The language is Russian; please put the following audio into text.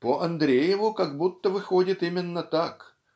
По Андрееву, как будто выходит именно так